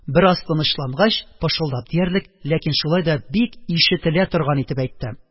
Бераз тынычлангач, пышылдап диярлек, ләкин шулай да бик ишетелә торган итеп әйтте: